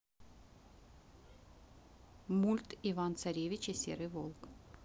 мульт иван царевич и серый волк